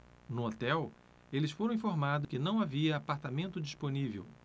no hotel eles foram informados que não havia apartamento disponível